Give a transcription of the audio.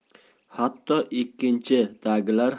hatto ikkinchi bdagilar